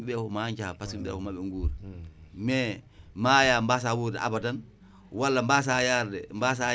mais